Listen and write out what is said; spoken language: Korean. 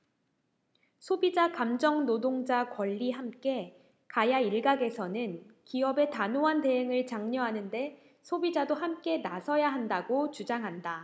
소비자 감정노동자 권리 함께 가야일각에서는 기업의 단호한 대응을 장려하는데 소비자도 함께 나서야 한다고 주장한다